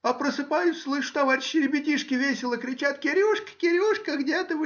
а просыпаюсь, слышу, товарищи-ребятишки весело кричат Кирюшка! Кирюшка! где ты?